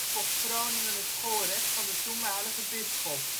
kocht Groningen het Gorecht van de toenmalige bisschop